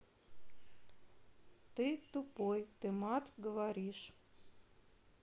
ты тупой ты мат говоришь